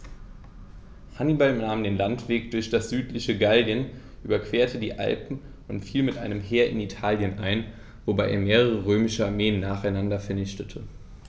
Hannibal nahm den Landweg durch das südliche Gallien, überquerte die Alpen und fiel mit einem Heer in Italien ein, wobei er mehrere römische Armeen nacheinander vernichtete.